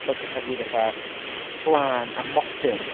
bod pethau fwy fatha, glân a modern...